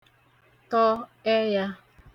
tọ ẹyā